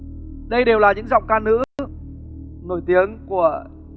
đây đều là những giọng ca nữ nổi tiếng của